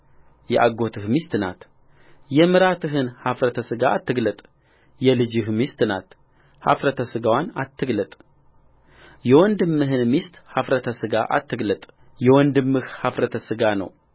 የአጎትህ ሚስት ናትየምራትህን ኃፍረተ ሥጋ አትግለጥ የልጅህ ሚስት ናት ኃፍረተ ሥጋዋን አትግለጥየወንድምህን ሚስት ኃፍረተ ሥጋ አትግለጥ የወንድምህ ኃፍረተ ሥጋ ነው